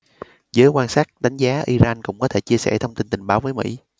giới quan sát đánh giá iran cũng có thể chia sẻ thông tin tình báo với mỹ